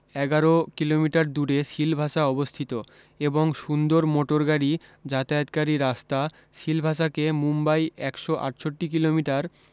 এগারো কিলোমিটার দূরে সিলভাসা অবস্থিত এবং সুন্দর মোটরগাড়ী যাতায়াতকারী রাস্তা সিলভাসাকে মুম্বাই একশ আটষট্টি কিলোমিটার